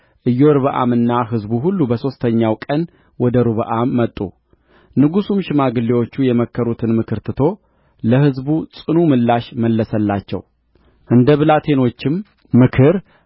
ኢዮርብዓምና ሕዝቡ ሁሉ በሦስተኛው ቀን ወደ ሮብዓም መጡ ንጉሡም ሽማግሌዎች የመከሩትን ምክር ትቶ ለሕዝቡ ጽኑ ምላሽ መለሰላቸው እንደ ብላቴኖችም ምክር